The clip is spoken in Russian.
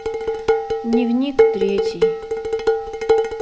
дневник третий